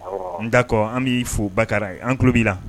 N dakɔ an b'i fɔ bakara ye an tulolo b'i la